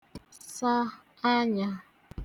sa anyā